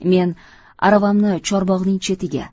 men aravamni chorbog'ning chetiga